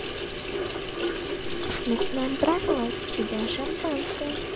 начинаем праздновать с тебя шампанское